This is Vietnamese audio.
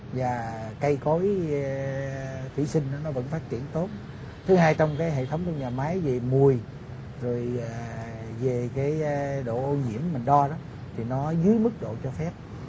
dà cây cối a thủy sinh nó vẫn phát triển tốt thứ hai trong cái hệ thống nhà máy dề mùi rồi à dề cái độ ô nhiễm mình đo thì nó dưới mức độ cho phép